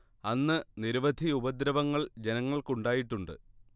അന്ന് നിരവധി ഉപദ്രവങ്ങൾ ജനങ്ങൾക്കുണ്ടായിട്ടുണ്ട്